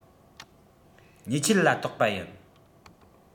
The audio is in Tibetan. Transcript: ཉེས ཆད ལ གཏོགས པ ཡིན